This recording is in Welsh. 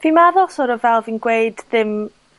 Fi'n meddwl sor' of fel fi'n gweud ddim...